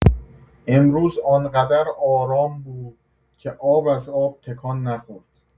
امروز آنقدر آرام بود که آب از آب تکان نخورد.